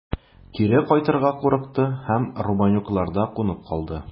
Кире кайтырга курыкты һәм Рубанюкларда кунып калды.